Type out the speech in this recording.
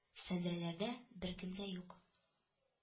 Сәндерәләрдә беркем дә юк